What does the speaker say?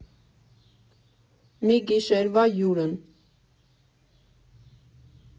Մի գիշերվա հյուրն։